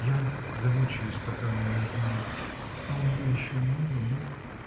я замучаюсь, пока она не узнает: а у меня еще много мук.